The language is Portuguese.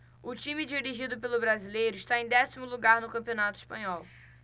o time dirigido pelo brasileiro está em décimo lugar no campeonato espanhol